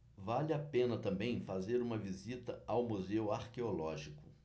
vale a pena também fazer uma visita ao museu arqueológico